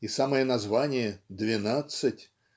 И самое название "Двенадцать"